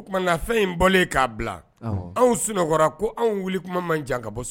Fɛn anw sun ko anw wuli kuma man jan ka bɔ